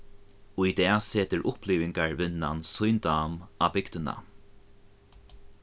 í dag setur upplivingarvinnan sín dám á bygdina